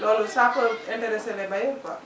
loolu ça peut interesser les bailleurs quoi